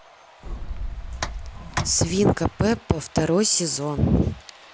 свинка пеппа второй сезон